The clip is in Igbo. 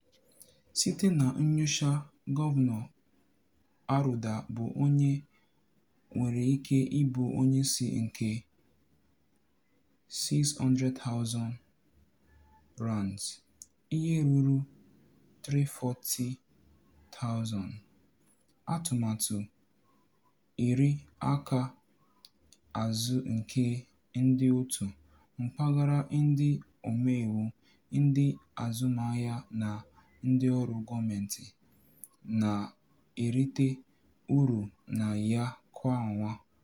Site na nnyocha, Governor Arruda bụ onye nwere ike ị bụ onyeisi nke R$ 600,000 (ihe ruru $340,000) atụmatụ iri aka azụ nke ndị òtù mpaghara ndị omeiwu, ndị azụmahịa na ndịọrụ gọọmentị na-erite uru na ya kwa ọnwa.